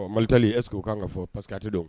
Mali tali esseke' ka kan ka fɔ parce pa que tɛ dɔn